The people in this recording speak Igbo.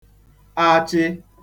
Achị